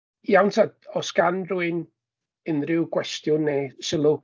Iawn ta oes gan rywun unryw gwestiwn neu sylw.